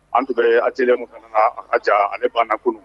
An tun bɛ atelier mun fana na ja ale banna kunun.